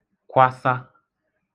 kwasa